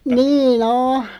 niin on